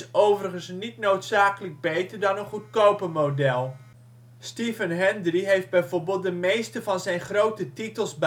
overigens niet noodzakelijk beter dan een goedkoper model; Stephen Hendry heeft bijvoorbeeld de meeste van zijn grote titels